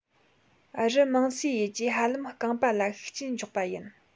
རི མང སའི ཡུལ གྱིས ཧ ལམ རྐང པ ལ ཤུགས རྐྱེན འཇོག པ ཡིན